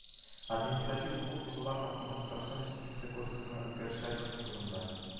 “административ хокук бозулар хакында татарстан республикасы кодексына үзгәрешләр кертү турында”;